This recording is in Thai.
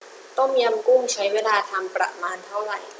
ต้มยำกุ้งใช้เวลาทำประมาณเท่าไหร่